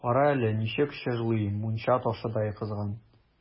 Кара әле, ничек чыжлый, мунча ташыдай кызган!